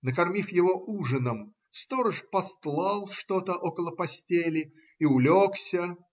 Накормив его ужином, сторож постлал что-то около постели и улегся.